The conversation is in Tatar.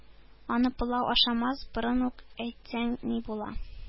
Аны пылау ашамас борын ук әйтсәң ни була!